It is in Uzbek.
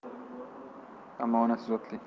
ammo onasi zotli